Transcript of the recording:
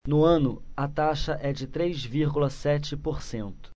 no ano a taxa é de três vírgula sete por cento